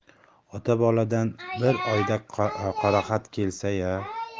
ota boladan bir oyda qoraxat kelsa ya